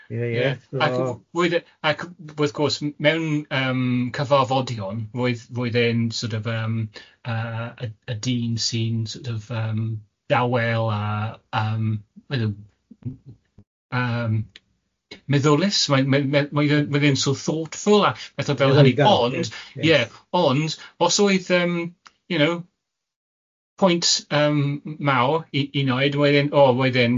Ie ie ac roedd e, ac wrth gwrs mewn yym cyfarfodion roedd roedd e'n sort of yym yy y dyn sy'n sort of yym dawel a yym wedd- yn yym meddylus, mae'n mae'n mae'n mae'n sort of thoughtful a fatha fel hynny ond ie ond os oedd yym you know point yym mawr i i wneud roedd e'n o roedd e'n jyst ie.